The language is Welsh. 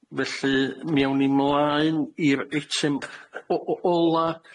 Felly mi awn ni mlaen i'r eitem o- o- ola.